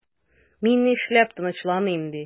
Мин нишләп тынычланыйм ди?